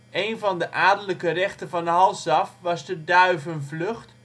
Een van de adellijke rechten van Halsaf was de duivenvlucht